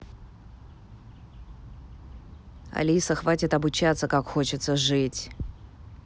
алиса хватит обучаться как хочется жить